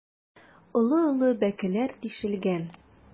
Олы-олы бәкеләр тишелгән.